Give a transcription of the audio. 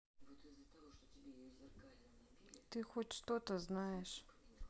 ты хоть что то знаешь